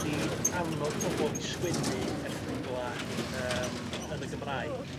ydi annog pobol i sgwennu erthygla yym yn y Gymraeg